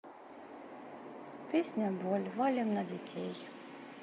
песня боль валим на детей